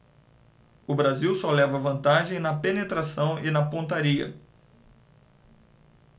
o brasil só leva vantagem na penetração e na pontaria